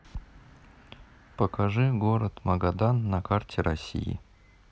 покажи город магадан на карте россии